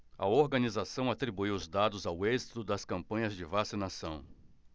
a organização atribuiu os dados ao êxito das campanhas de vacinação